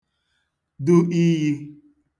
du iyī